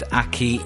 ...ac i...